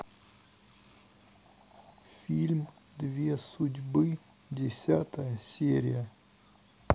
фильм две судьбы десятая серия